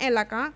টিলা